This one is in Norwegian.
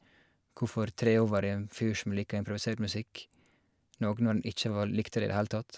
Hvorfor tre over i en fyr som liker improvisert musikk noe når han ikke var likte det i det hele tatt.